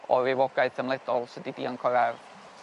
o rywogaeth ymledol sy 'di dianc o'r ardd.